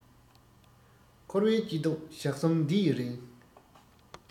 འཁོར བའི སྐྱིད སྡུག ཞག གསུམ འདི ཡི རིང